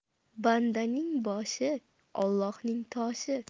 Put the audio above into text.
bandaning boshi olloning toshi